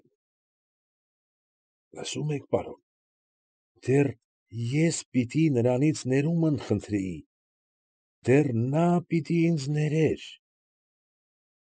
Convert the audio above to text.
Լսո՞ւմ եք, պարոն, դեռ ես պիտի նրանից ներումն խնդրեի, դեռ նա պիտի ինձ ներեր։